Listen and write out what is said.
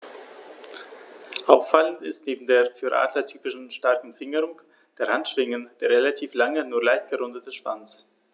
Auffallend ist neben der für Adler typischen starken Fingerung der Handschwingen der relativ lange, nur leicht gerundete Schwanz.